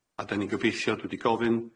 A dan ni'n gobeithio dwi di gofyn.